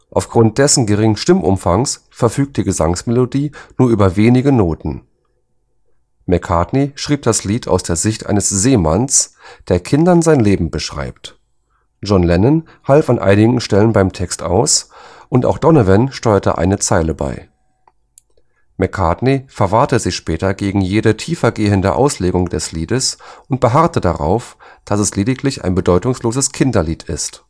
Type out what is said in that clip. Aufgrund dessen geringen Stimmumfangs verfügt die Gesangsmelodie nur über wenige Noten. McCartney schrieb das Lied aus der Sicht eines Seemanns, der Kindern sein Leben beschreibt. John Lennon half an einigen Stellen beim Text aus, und auch Donovan steuerte eine Zeile bei. McCartney verwahrte sich später gegen jede tiefergehende Auslegung des Liedes und beharrte darauf, dass es lediglich ein bedeutungsloses Kinderlied ist